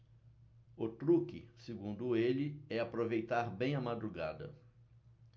o truque segundo ele é aproveitar bem a madrugada